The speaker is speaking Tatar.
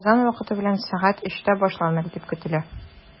Казан вакыты белән сәгать өчтә башланыр дип көтелә.